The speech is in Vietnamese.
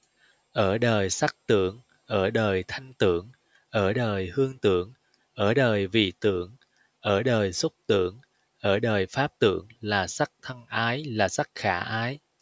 ở đời sắc tưởng ở đời thanh tưởng ở đời hương tưởng ở đời vị tưởng ở đời xúc tưởng ở đời pháp tưởng là sắc thân ái là sắc khả ái